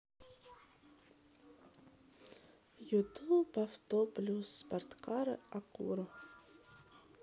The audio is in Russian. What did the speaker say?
ютуб авто плюс спорткары акура